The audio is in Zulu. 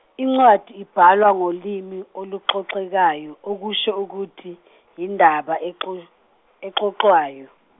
incwadi ibhalwa ngolimi oluxoxekayo okusho ukuthi, yindaba exo- exoxwayo.